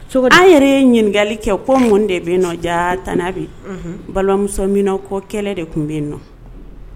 Yɛrɛ ɲininkakali kɛ kɔ minnu de bɛ nɔ ja tan bi balimamusomin kɔ kɛlɛ de tun bɛ yen nɔ